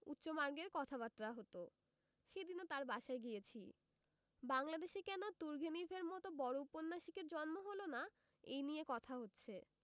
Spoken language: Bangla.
উচ্চমার্গের কথাবার্তা হত সেদিনও তার বাসায় গিয়েছি বাংলাদেশে কেন তুর্গেনিভের মত বড় উপন্যাসিকের জন্ম হল না এই নিয়ে কথা হচ্ছে